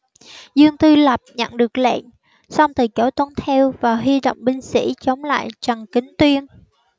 dương sư lập nhận được lệnh song từ chối tuân theo và huy động binh sĩ chống lại trần kính tuyên